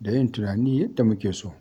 da yin tunani yadda muke so.